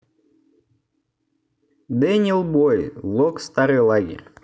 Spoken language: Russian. daniel boy влог старый лагерь